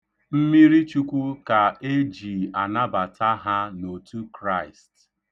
Mmirichukwu ka e ji anabata ha n'otu Kraịst.